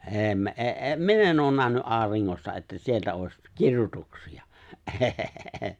ei - ei - minä en ole nähnyt auringosta että sieltä olisi kirjoituksia ei